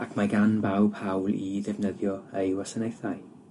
ac mae gan bawb hawl i ddefnyddio ei wasanaethau.